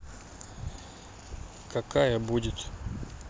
какая будет